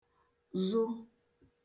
zụ